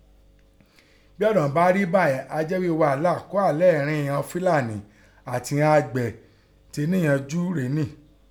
Bí ọ̀rọ̀ ín bá rí bẹ́ẹ̀ a jẹ́ ghí i ghàálà kí ọ́ hà lẹ́ẹ̀ẹ́rín ìghọn Fílàní àti ìghọn àgbẹ̀ tẹ́ẹ̀ yanjú rěnì..